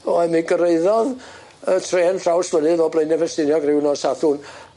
O mi gyraeddodd yy trên traws mynydd o Blaene Ffestiniog ryw nos Sadwrn